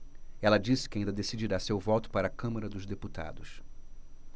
ela disse que ainda decidirá seu voto para a câmara dos deputados